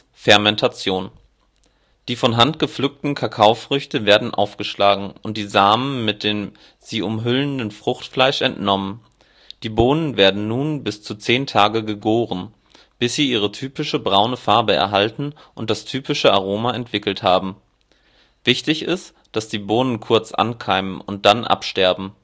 Fermentation: Die von Hand gepflückten Kakaofrüchte werden aufgeschlagen und die Samen (Kakaobohnen) mit dem sie umhüllenden Fruchtfleisch entnommen. Die Bohnen werden nun bis zu 10 Tage gegoren (Prozess der Fermentation), bis sie ihre typische braune Farbe erhalten und das typische Aroma entwickelt haben. Wichtig ist, dass die Bohnen kurz ankeimen und dann absterben